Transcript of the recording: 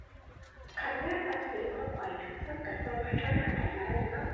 คันงานอดิเรกของข้อยนั้น มันก็ก็พัฒนาข้อยหลายล่ะเนาะ